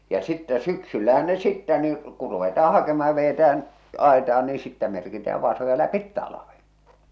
ja sitten syksyllähän ne sitten niin kun ruvetaan hakemaan ja vedetään ajetaan niin sitten merkitään vasoja läpi talven